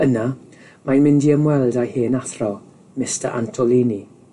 Yna mae'n mynd i ymweld â'i hen athro, Mista Antolini.